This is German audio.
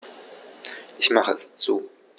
Ich mache es zu.